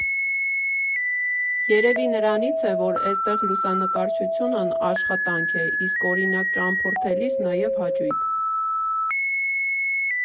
Երևի նրանից է, որ էստեղ լուսանկարչությունն աշխատանք է, իսկ, օրինակ, ճամփորդելիս, նաև հաճույք։